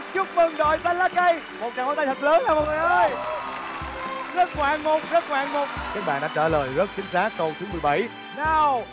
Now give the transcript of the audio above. chúc mừng đội xanh lá cây một tràng vỗ tay thật lớn nào mọi người ơi rất ngoạn mục rất ngoạn mục các bạn đã trả lời rất chính xác câu số mười bảy nào